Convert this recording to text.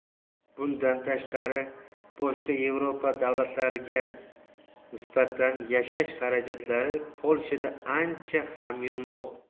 bundan tashqari boshqa yevropa davlatlariga nisbatan yashash xarajatlari polshada ancha hamyonbop